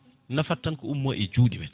nafata tan ko ummo e juuɗe men